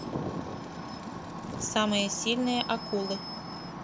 самые сильные акулы